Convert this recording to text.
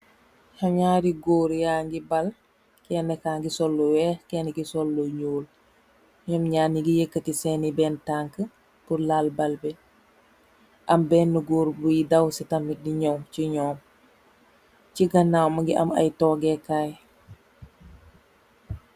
Naari goor yangi baal kena kagi sool lu weex kenena ki sol lu nuul nyom naar nyu gi yeketi sen bena tanka pul laal baal bi am bena goor boi dawsi tam di nyow si nyom si ganaw mogi am ay togeh kai.